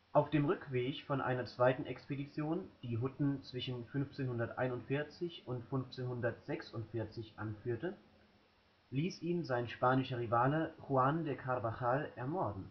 Auf dem Rückweg von einer zweiten Expedition, die Hutten zwischen 1541 und 1546 anführte, ließ ihn sein spanischer Rivale Juan de Carvajal ermorden